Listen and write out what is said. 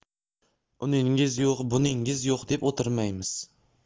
uningiz yo'q buningiz yo'q deb o'tirmaymiz